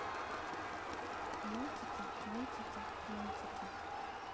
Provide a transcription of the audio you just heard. мультики мультики мультики